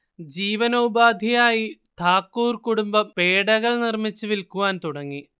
ജീവനോപാധിയായി ധാക്കൂർ കുടുംബം പേഡകൾ നിർമ്മിച്ച് വിൽക്കുവാൻ തുടങ്ങി